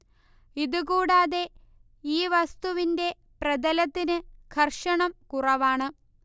ഇതു കൂടാതെ ഈ വസ്തുവിന്റെ പ്രതലത്തിന് ഘര്ഷണം കുറവാണ്